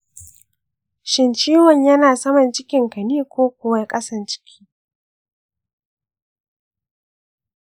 shin ciwon yana saman cikinka ne ko kuwa ƙasan ciki?